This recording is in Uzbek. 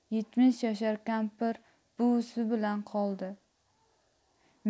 yetmish yashar kampir buvisi bilan qoldi